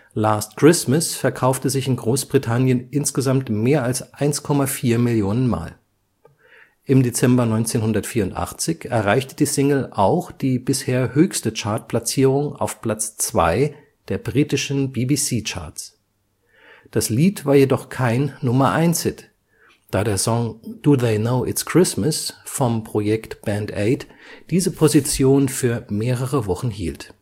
Last Christmas verkaufte sich in Großbritannien insgesamt mehr als 1,4 Millionen Mal. Im Dezember 1984 erreichte die Single auch die bisher höchste Chartplatzierung auf Platz zwei der britischen BBC-Charts. Das Lied war jedoch kein Nummer-eins-Hit, da der Song Do They Know It’ s Christmas? vom Projekt Band Aid diese Position für mehrere Wochen hielt